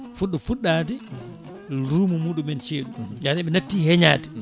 fuɗɗo fuɗɗade ruuma muɗum e ceeɗu yaani ɓe natti heeñade